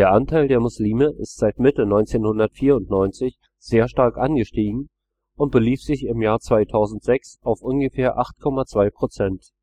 Anteil der Muslime ist seit Mitte 1994 sehr stark angestiegen und belief sich im Jahr 2006 auf ungefähr 8,2 Prozent